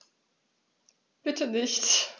Bitte nicht.